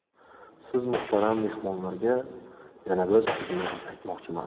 siz muhtaram mehmonlarga yana bir sirni aytmoqchiman